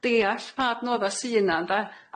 Deall pa adnoddas sy' 'na ynde?